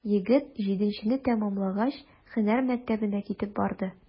Егет, җиденчене тәмамлагач, һөнәр мәктәбенә китеп барды.